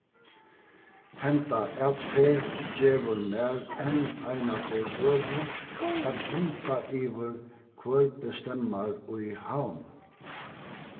henda atferð gevur mær enn einaferð høvi at grunda yvir hvør bestemmar í havn